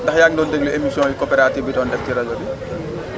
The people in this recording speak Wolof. ndax yaa ngi doon déglu émission yi coopérative bi doon def ci rajo bi